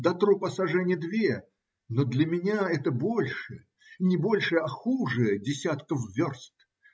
До трупа сажени две, но для меня это больше не больше, а хуже десятков верст.